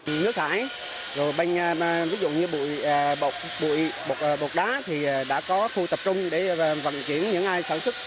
nước thải rồi ban nha ba ví dụ như bụi bột bọc bụi bột đá thì đã có khu tập trung để vận chuyển những ai sản xuất